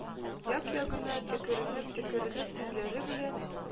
Як-ягына төкеренә-төкеренә күзләре белән